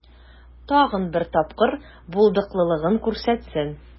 Тагын бер тапкыр булдыклылыгын күрсәтсен.